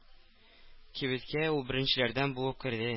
Кибеткә ул беренчеләрдән булып керде.